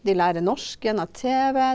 de lærer norsk gjennom tv.